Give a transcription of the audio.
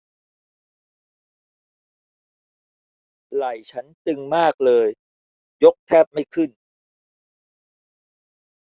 ไหล่ฉันตึงมากเลยยกแทบไม่ขึ้น